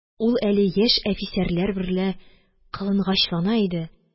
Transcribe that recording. Ул әле яшь әфисәрләр берлә кылынгачлана иде